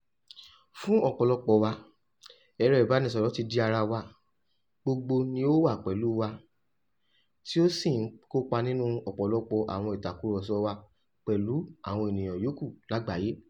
Fún ọ̀pọ̀lọpọ̀ wa, ẹ̀rọ ìbánisọ̀rọ̀ ti di ara wa - gbogbo ni ó wà pẹ̀lú wa, tí ó sì ń kópa nínú ọ̀pọ̀lọpọ̀ àwọn ìtàkurọ̀sọ̀ wa pẹ̀lú àwọn ènìyàn yòókù lágbàáyé.